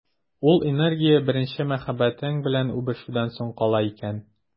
Ул энергия беренче мәхәббәтең белән үбешүдән соң кала икән.